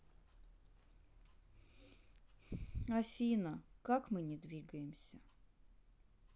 афина как мы не двигаемся